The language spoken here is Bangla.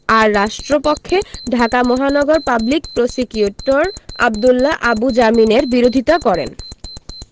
আর রাষ্ট্রপক্ষে ঢাকা মহানগর পাবলিক প্রসিকিউটর আব্দুল্লাহ আবু জামিনের বিরোধিতা করেন